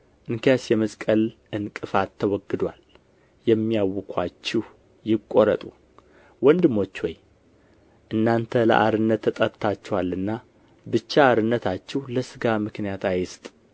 እንኪያስ የመስቀል ዕንቅፋት ተወግዶአል የሚያውኩአችሁ ይቆረጡ ወንድሞች ሆይ እናንተ ለአርነት ተጠርታችኋልና ብቻ አርነታችሁ ለሥጋ ምክንያትን አይስጥ